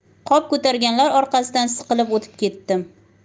qop ko'targanlar orqasidan siqilib o'tib ketdim